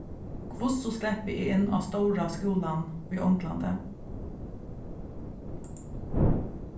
hvussu sleppi eg inn á stóra skúlan í onglandi